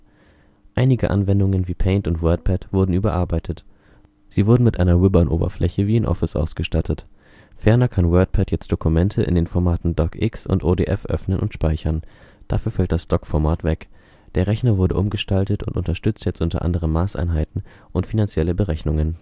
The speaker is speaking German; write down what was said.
Einige Anwendungen wie Paint und WordPad wurden überarbeitet: Sie wurden mit einer Ribbon-Oberfläche wie in Office ausgestattet. Ferner kann WordPad jetzt Dokumente in den Formaten DOCX und ODF öffnen und speichern, dafür fällt das DOC-Format weg. Der Rechner wurde umgestaltet und unterstützt jetzt unter anderem Maßeinheiten und finanzielle Berechnungen